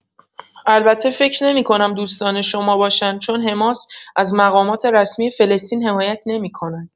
البته فکر نمی‌کنم دوستان شما باشند چون حماس از مقامات رسمی فلسطین حمایت نمی‌کند.